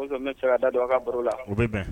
O ne se k ka da dɔn aw ka baro la u bɛ bɛn